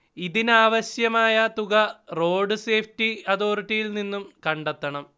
ഇതിനാവശ്യമായ തുക road safety അതോറിറ്റിയിൽ നിന്നും കണ്ടെത്തണം